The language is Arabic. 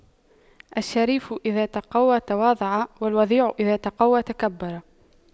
الشريف إذا تَقَوَّى تواضع والوضيع إذا تَقَوَّى تكبر